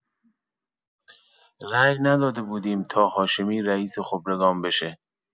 رای نداده بودیم تا هاشمی رئیس خبرگان بشه.